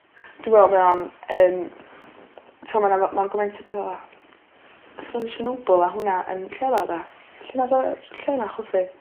Dwi me'wl dog o'n yym t'mo ma' 'na ma'n gymaint o pethe fel 'a. <aneglur Chernobyl a hwnna yn lle 'na 'de? Lle nath yr lle 'na chwythu?